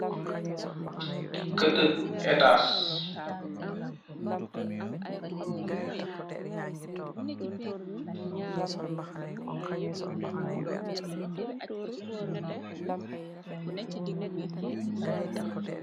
Keuteuk etaas.